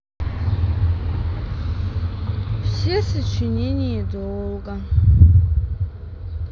все сочинения долга